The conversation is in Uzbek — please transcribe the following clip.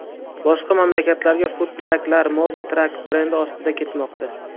boshqa mamlakatlarga fudtrak lar mobi truck brendi ostida ketmoqda